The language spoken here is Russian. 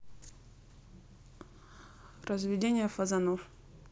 разведение фазанов